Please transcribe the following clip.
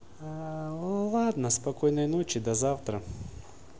ладно спокойной ночи до завтра